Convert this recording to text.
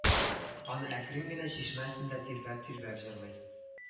Аны әкрен генә чишмә өстендә тирбәп-тирбәп җырлый